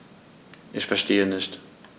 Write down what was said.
Ich verstehe nicht.